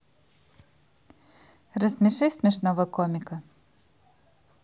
рассмеши смешного комика